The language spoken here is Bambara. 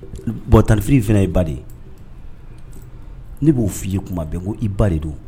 Bɔn tanfi fana ye ba de ye ne b'o f fɔ i ye kuma bɛn ko i ba de don